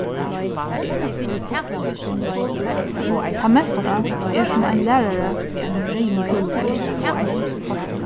tað mesta er sum ein lærari við einum reyðum kúlupenni